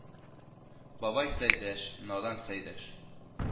Бабай Сәйдәш, надан Сәйдәш